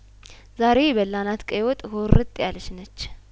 ዛሬ የበላናት ቀይወጥሁ ርጥ ያለችነች